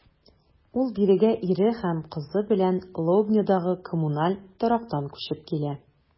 Ул бирегә ире һәм кызы белән Лобнядагы коммуналь торактан күчеп килә.